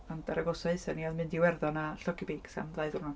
Ond yr agosa aethon ni oedd mynd i Iwerddon a llogi beics am 2 ddiwrnod.